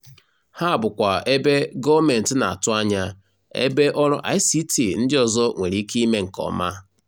Ha bụkwa ebe, gọọmentị na-atụ anya, ebe ọrụ ICT ndị ọzọ nwere ike ime nkeọma.